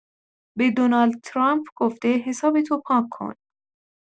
به دونالد ترامپ گفته حسابتو پاک‌کن.